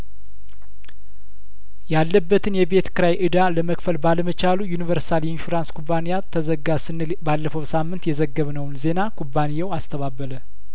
ያለበትን የቤት ክራይ እዳለመክፈል ባለመቻሉ ዩኒቨርሳል ኢንሹራንስ ኩባንያ ተዘጋ ስንል ባለፈው ሳምንት የዘገብነውን ዜና ኩባንያው አስተባበለ